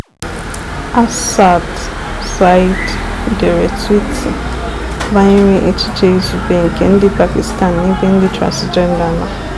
Asad Zaidi dere twiiti banyere echiche izugbe nke ndị Pakistan n'ebe ndị transịjenda nọ: